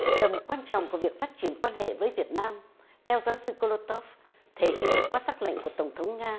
tầm quan trọng của việc phát triển quan hệ với việt nam theo giáo sư cô lô tốp thể hiện qua sắc lệnh của tổng thống nga